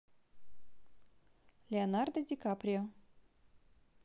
леонардо дикаприо